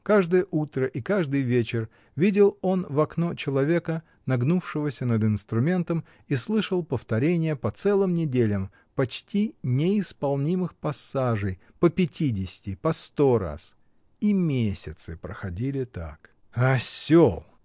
Каждое утро и каждый вечер видел он в окно человека, нагнувшегося над инструментом, и слышал повторение, по целым неделям, почти неисполнимых пассажей, по пятидесяти, по сто раз. И месяцы проходили так. — Осел!